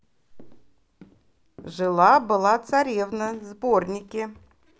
жила была царевна сборники